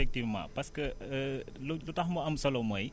effectivement parce que lu lu tax mu am solo mooy